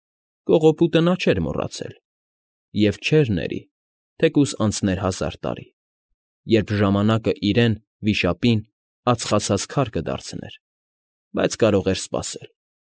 Կողոպուտը նա չէր մոռացել և չէր ների, թեկուզ անցներ հազար տարի, երբ ժամանակը իրեն՝ վիշապին, ածխացած քար կդարձներ, բայց կարող էր սպասել։